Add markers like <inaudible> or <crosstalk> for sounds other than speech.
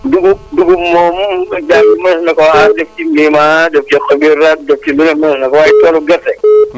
dugub dugub moom <hesitation> <noise> <hesitation> mënees na koo aar def ci niimaa def ci xobi raat def ci lu ne * waaye toolu gerte <noise>